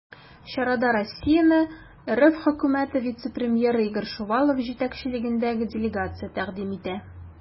Чарада Россияне РФ Хөкүмәте вице-премьеры Игорь Шувалов җитәкчелегендәге делегация тәкъдим итә.